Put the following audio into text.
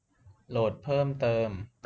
โหลดเพิ่มเติม